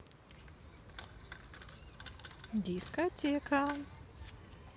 дискотека